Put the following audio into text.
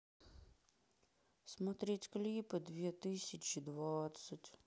смотреть клипы две тысячи двадцать